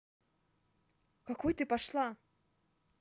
какой ты пошла